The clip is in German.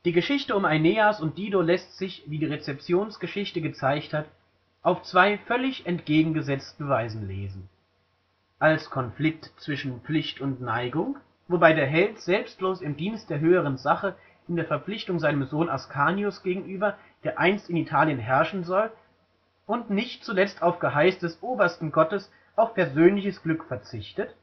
Geschichte um Aeneas und Dido lässt sich, wie die Rezeptionsgeschichte gezeigt hat, auf zwei völlig entgegengesetzte Weisen lesen: Als Konflikt zwischen Pflicht und Neigung, wobei der Held selbstlos im Dienst der höheren Sache, in der Verpflichtung seinem Sohn Ascanius gegenüber, der einst in Italien herrschen soll, und nicht zuletzt auf Geheiß des obersten Gottes auf persönliches Glück verzichtet